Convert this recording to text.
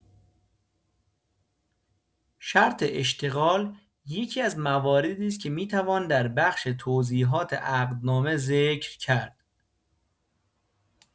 شرط اشتغال یکی‌از مواردی است که می‌توان در بخش توضیحات عقدنامه ذکر کرد.